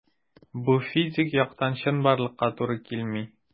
Бу физик яктан чынбарлыкка туры килми.